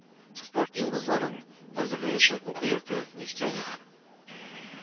Спорт йолдызларын әзерләячәк уку йорты Нефтяник